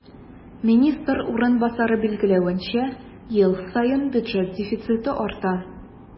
Министр урынбасары билгеләвенчә, ел саен бюджет дефициты арта.